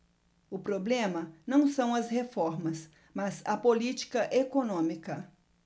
o problema não são as reformas mas a política econômica